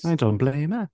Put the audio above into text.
I don't blame her.